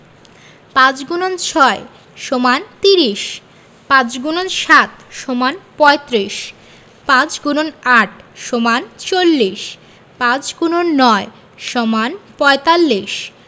৫x ৬ = ৩০ ৫× ৭ = ৩৫ ৫× ৮ = ৪০ ৫x ৯ = ৪৫